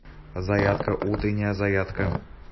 зарядка утренняя зарядка